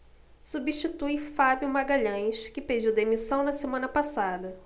substitui fábio magalhães que pediu demissão na semana passada